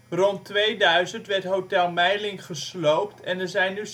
Rond 2000 werd Hotel Meilink gesloopt en er zijn nu seniorenwoningen